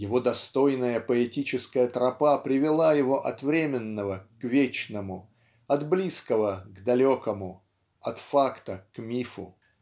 Его достойная поэтическая тропа привела его от временного к вечному от близкого к далекому от факта к мифу.